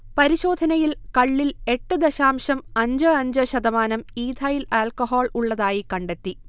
പരിശോധനയിൽ കള്ളിൽ എട്ട് ദശാംശം അഞ്ച് അഞ്ച് ശതമാനം ഈഥൈൽ അൽക്കഹോൾ ഉള്ളതായി കണ്ടെത്തി